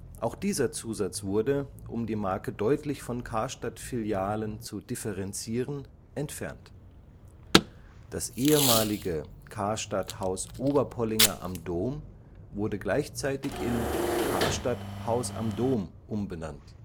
Auch dieser Zusatz wurde, um die Marke deutlich von Karstadt-Filialen zu differenzieren, entfernt. Das ehemalige „ Karstadt Haus Oberpollinger am Dom “wurde gleichzeitig in „ Karstadt Haus am Dom “umbenannt